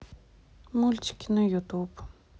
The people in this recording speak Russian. мультики на ютуб